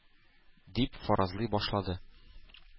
Дип фаразлый башлады.